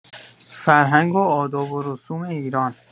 فرهنگ و آداب و رسوم ایران